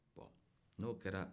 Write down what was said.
ɔ n'o kɛra